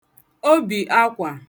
obì akwà